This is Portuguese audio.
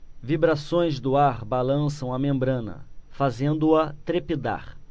vibrações do ar balançam a membrana fazendo-a trepidar